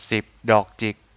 สิบดอกจิก